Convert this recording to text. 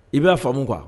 I ba faamu quoi